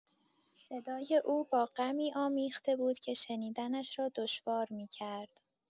صدای او با غمی آمیخته بود که شنیدنش را دشوار می‌کرد.